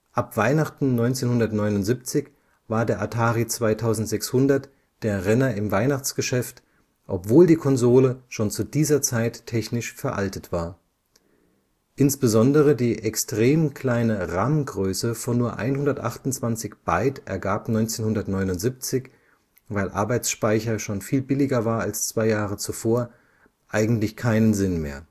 Ab Weihnachten 1979 war der Atari 2600 der Renner im Weihnachtsgeschäft, obwohl die Konsole schon zu dieser Zeit technisch veraltet war; insbesondere die extrem kleine RAM-Größe von nur 128 Byte ergab 1979, weil Arbeitsspeicher schon viel billiger war als zwei Jahre zuvor, eigentlich keinen Sinn mehr